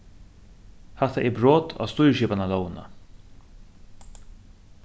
hatta er brot á stýrisskipanarlógina